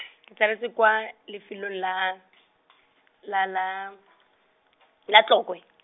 ke tsaletswe kwa, lefelong la , la la, la Tlokwe.